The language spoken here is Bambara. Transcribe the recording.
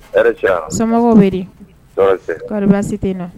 Somɔgɔw bɛ tɛ na